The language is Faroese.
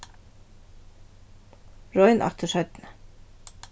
royn aftur seinni